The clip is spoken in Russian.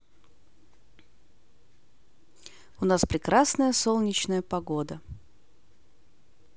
у нас прекрасная солнечная погода